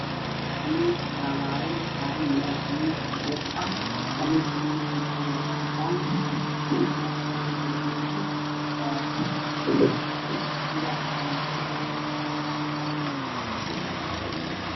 Waa khamiis midabkiisu yahay caddaan qaxwi wuxuu yaalaa mutuel caddaan